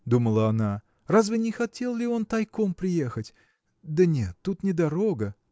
– думала она, – разве не хотел ли он тайком приехать? Да нет, тут не дорога.